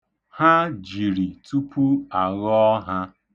Ha jiri tupu a ghọọ ha.